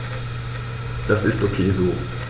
Das ist ok so.